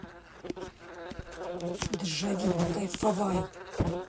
джавид кайфовай